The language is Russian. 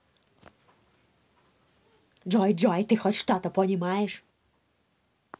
джой джой ты хоть что то понимаешь